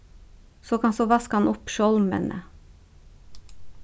so kanst tú vaska hann upp sjálv meðni